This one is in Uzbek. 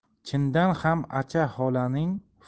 chindan ham acha